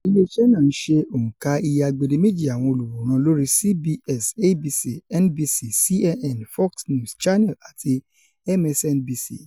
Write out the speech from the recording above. Ilé-iṣẹ́ náà ńṣe òǹka iye agbedeméjì àwọn olùwòran lórí CBS, ABC, NBC, CNN, Fox News, Channel àti MSNBC.